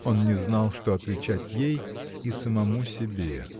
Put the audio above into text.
Он не знал, что отвечать ей и самому себе.